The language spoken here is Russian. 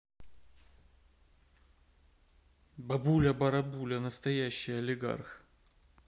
бабуля барабуля настоящий олигарх